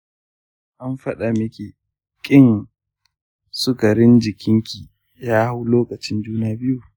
an faɗa miki kin sikarin jininki ya hau lokacin juna biyu?